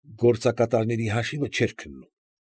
Գործակատարների հաշիվները չէր քննում։